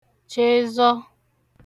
chezọ